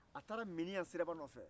a taara miniɲan siraba nɔfɛ